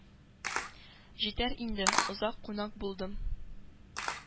Җитәр инде, озак кунак булдым,